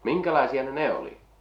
minkälaisia ne ne oli